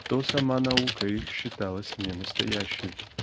то сама наука их считалась не настоящей.